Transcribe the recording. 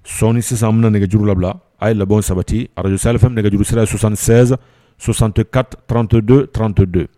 Sɔ sisan minɛ nɛgɛjuru labila a' ye labɔw sabati araj safɛn nɛgɛjuru serasan san sɔsanka tto don ttɔ don